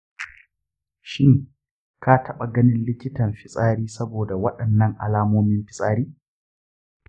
shin ka taɓa ganin likitan fitsari saboda waɗannan alamomin fitsari?